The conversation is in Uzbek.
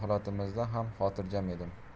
holatimizda ham xotirjam edim